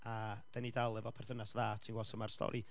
A dan ni dal efo perthynas dda, ti'n gwbod, so mae'r stori,